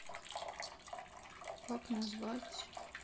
как назвать